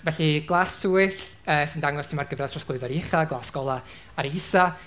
Felly glas tywyll yy sy'n dangos lle ma'r gyfradd trosglwyddo ar ei ucha, glas golau ar ei isa.